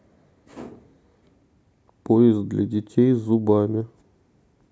поезд для детей с зубами